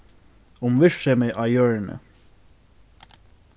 um virksemið á jørðini